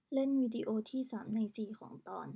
เล่นวีดิโอที่สามในสี่ของตอน